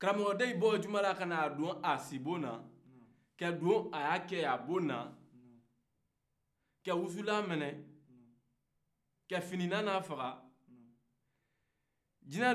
ka wusula mɛnɛ ka fini nana faga jinɛw bɔra san fɛ